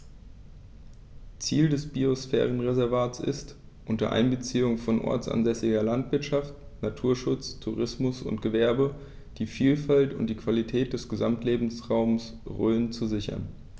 Ziel dieses Biosphärenreservates ist, unter Einbeziehung von ortsansässiger Landwirtschaft, Naturschutz, Tourismus und Gewerbe die Vielfalt und die Qualität des Gesamtlebensraumes Rhön zu sichern.